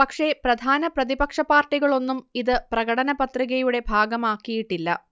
പക്ഷേ പ്രധാന പ്രതിപക്ഷ പാർട്ടികളൊന്നും ഇത് പ്രകടനപത്രികയുടെ ഭാഗമാക്കിയിട്ടില്ല